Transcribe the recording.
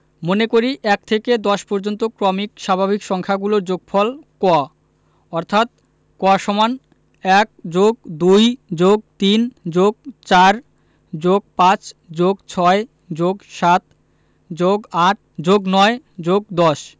মনে করি ১ থেকে ১০ পর্যন্ত ক্রমিক স্বাভাবিক সংখ্যাগুলোর যোগফল ক অর্থাৎ ক = ১+২+৩+৪+৫+৬+৭+৮+৯+১০